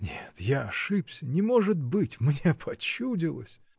— Нет, я ошибся, не может быть! Мне почудилось!.